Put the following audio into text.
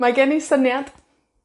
mae gen i syniad.